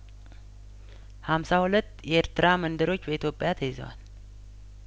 ሀምሳ ሁለት የኤርትራ መንደሮች በኢትዮጵያ ተይዘዋል